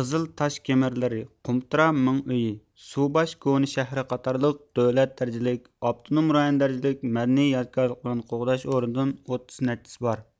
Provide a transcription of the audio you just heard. قىزىل تاشكېمىرلىرى قۇمتۇرا مېڭئۆيى سۇباش كونا شەھىرى قاتارلىق دۆلەت دەرىجىلىك ئاپتونوم رايون دەرىجىلىك مەدەنىي يادىكارلىقلارنى قوغداش ئورنىدىن ئوتتۇز نەچچىسى بار